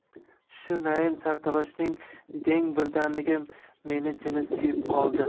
shu naim sartaroshning deng birdaniga meni jini suyib qoldi